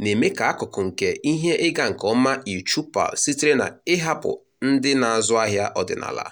na-eme ka akụkụ nke ihe ịga nke ọma eChoupal sitere na ịhapụ ndị na-azụ ahịa ọdịnala.